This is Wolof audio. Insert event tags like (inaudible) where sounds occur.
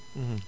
(hesitation) (hesitation)